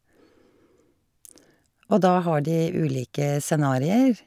Og da har de ulike scenarier.